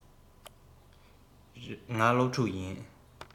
ང སློབ ཕྲག ཡིན